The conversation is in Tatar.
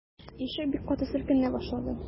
Ишек бик каты селкенә башлады.